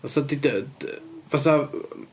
Fatha deud d- d- fatha...